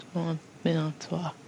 T'mo' mae o t'wo'